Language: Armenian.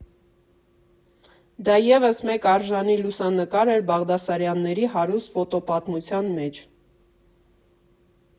Դա ևս մեկ արժանի լուսանկար էր Բաղդասարյանների հարուստ ֆոտոպատմության մեջ։